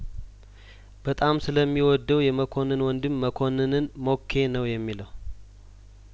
በጣም ስለሚ ወደው የመኮንን ወንድም መኮንንን ሞ ኬ ነው የሚለው